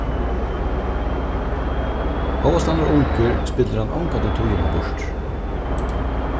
hóast hann er ungur spillir hann ongantíð tíðina burtur